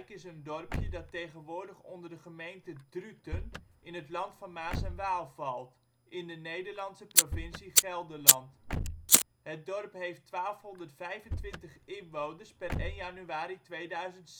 is een dorpje dat tegenwoordig onder de gemeente Druten in het land van Maas en Waal valt, in de Nederlandse provincie Gelderland. Het dorp heeft 1225 inwoners (per 1 januari 2006